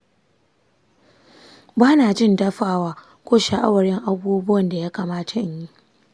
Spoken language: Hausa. ba na jin dafawa ko sha'awar yin abubuwan da ya kamata in yi.